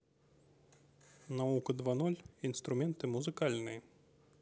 наука два ноль инструменты музыкальные